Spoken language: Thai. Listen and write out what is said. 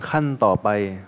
ขั้นต่อไป